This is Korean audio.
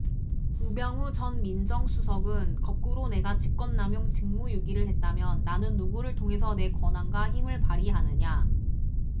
우병우 전 민정수석은 거꾸로 내가 직권남용 직무유기를 했다면 나는 누구를 통해서 내 권한과 힘을 발휘하느냐